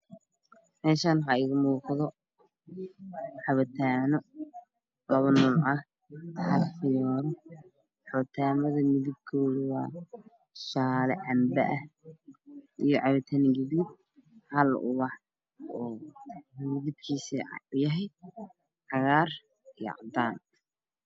Meeshaan waxaa iiga muuqda cabitaano 2 nooc ah hal fiyoore cabitaamada midabkoodu waa jaale canbo ah iyo cabitaano gaduud hal ubax oo midabkiisa cadyahay cagaar iyo cadaan